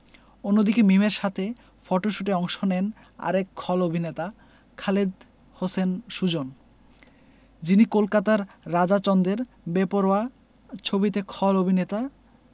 অন্যদিকে মিমের সাথে ফটশুটে অংশ নেন আরেক খল অভিনেতা খালেদ হোসেন সুজন যিনি কলকাতার রাজা চন্দের বেপরোয়া ছবিতে খল অভিননেতা